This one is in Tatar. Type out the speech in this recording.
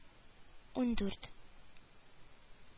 Ундүрт